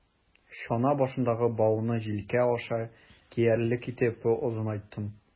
Чана башындагы бауны җилкә аша киярлек итеп озынайттым.